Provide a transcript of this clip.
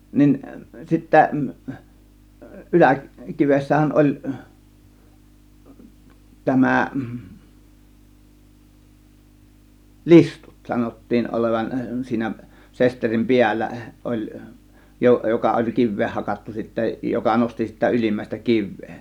niin sitten yläkivessähän oli tämä listut sanottiin olevan siinä sesterin päällä oli - joka oli kiveen hakattu sitten joka nosti sitä ylimmäistä kiveä